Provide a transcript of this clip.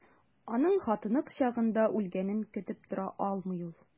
Аның хатыны кочагында үлгәнен көтеп тора алмый ул.